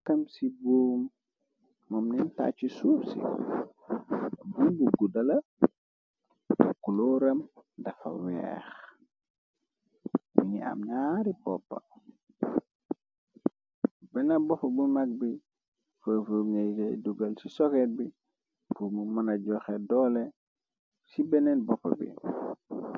Kam ci bommoomneen tàcci suuf si bumbuggu dala colooram dafa weex yi ngi am naari popp bena bop bu mag bi fef ngay ay dugal ci soget bi bomu mëna joxe doole ci beneen boppa bi.